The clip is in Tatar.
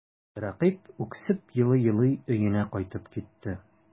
Рәкыйп үксеп елый-елый өенә кайтып китте.